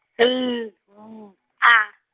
L, W, A.